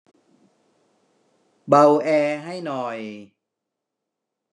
เบาแอร์ให้หน่อย